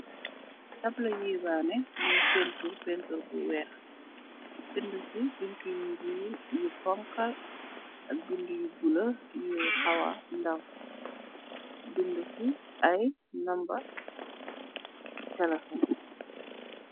Tabla yéébane buñ pentir, pentir bu wèèx . Bindi si bindi yu ñuul yu ponkal ak bindi yu bula yu xawa ndaw. Bindi si ay nomba telephone.